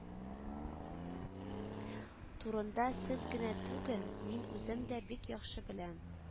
Турында сез генә түгел, мин үзем дә бик яхшы беләм